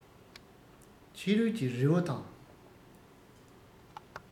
ཕྱི རོལ གྱི རི བོ དང